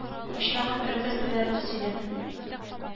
Ана бераз аптырап калды.